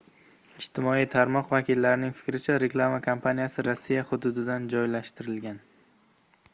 ijtimoiy tarmoq vakillarining fikricha reklama kampaniyasi rossiya hududidan joylashtirilgan